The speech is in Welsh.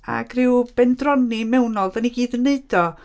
Ac ryw bendroni mewnol, dan ni gyd yn wneud o.